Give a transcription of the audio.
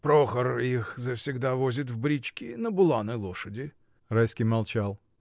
— Прохор их завсегда возит в бричке, на буланой лошади. Райский молчал.